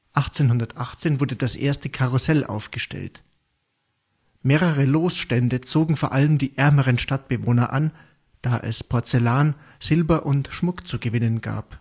1818 wurde das erste Karussell aufgestellt. Mehrere Losstände zogen vor allem die ärmeren Stadtbewohner an, da es Porzellan, Silber und Schmuck zu gewinnen gab